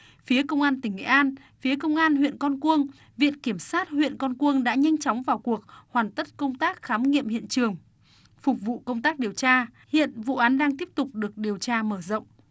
phía công an tỉnh nghệ an phía công an huyện con cuông viện kiểm sát huyện con cuông đã nhanh chóng vào cuộc hoàn tất công tác khám nghiệm hiện trường phục vụ công tác điều tra hiện vụ án đang tiếp tục được điều tra mở rộng